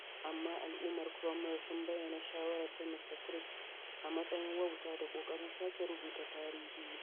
Amma Al’ummar Cromwell sun bayyana shawarar ta Mista Crick a matsayin “wauta” da “ƙoƙari na sake rubuta tarihi.”